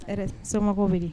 Somɔgɔw bɛ